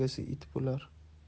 egasi it bo'lar